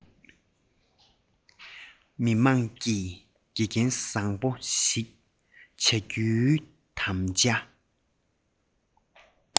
མི དམངས ཀྱི དགེ རྒན བཟང པོ ཞིག བྱ རྒྱུའི དམ བཅའ